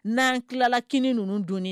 N'an tila la kini ninnu dun